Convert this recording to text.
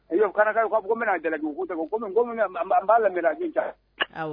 Ko n bɛna jala'u ta b'a lam' caya